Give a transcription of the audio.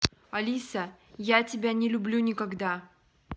алиса я тебя не люблю никогда